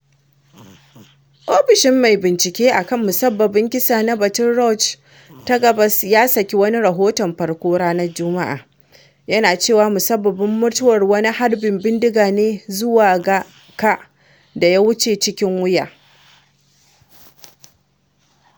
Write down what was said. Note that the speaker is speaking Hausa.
Ofishin Mai Binciken a kan Musabbabin Kisa na Baton Rouge ta Gabas ya saki wani rahoton farko ranar Jumu’a, yana cewa musabbabin mutuwar wani harbin bindiga ne zuwa ga ka da ya wuce cikin wuya.